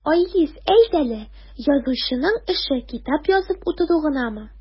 Айгиз, әйт әле, язучының эше китап язып утыру гынамы?